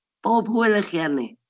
Bob hwyl i chi arni.